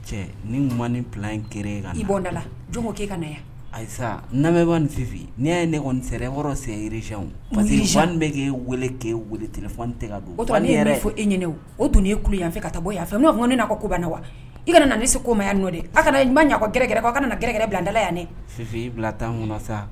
Ni ni in kɛ kan iɔn da la jɔn ko k'i ka na yan ayi na nin fifin ni ye ne kɔni senrew parce bɛ' weele ke weele ten fɔ n tɛ don ne yɛrɛ fɔ e ɲini o dun'e ku yan fɛ ka taa bɔ yan fɛ n'o ko ne na ko ban wa i kana na nin se ko ma yan' kana ma ɲɛka gɛrɛ kana gɛrɛ bila dala yan ne fifin ii bila tan kɔnɔ sa